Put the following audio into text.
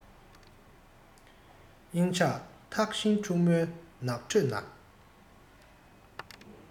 བྱིན ཆགས ཐང ཤིང ཕྱུག མོའི ནགས ཁྲོད ན